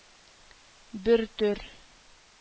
Бертөр